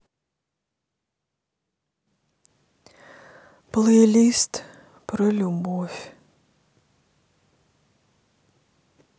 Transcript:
плейлист про любовь